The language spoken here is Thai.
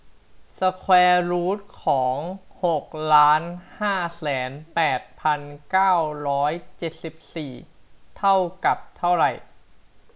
สแควร์รูทของหกล้านห้าแสนแปดพันเก้าร้อยเจ็ดสิบสี่เท่ากับเท่าไหร่